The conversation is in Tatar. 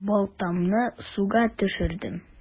Балтамны суга төшердем.